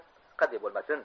qanday bo'lmasin